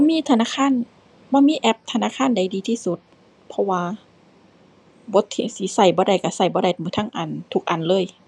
มีธนาคาร บ่มีแอปธนาคารใดดีที่สุด เพราะว่า บัดเที่ยสิใช้บ่ได้ใช้ใช้บ่ได้เบิดทั้งอัน ทุกอันเลย